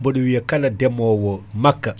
boɗo wiya kala deemowo makka